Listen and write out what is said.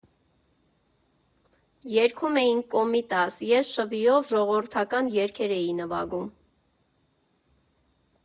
Երգում էինք Կոմիտաս, ես շվիով ժողովրդական երգեր էի նվագում։